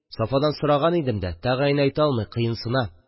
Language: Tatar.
Сафадан сораган идем дә, тәгаен әйтә алмый, кыенсына